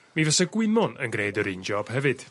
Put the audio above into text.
mi fysa gwymon yn gneud yr un job hefyd.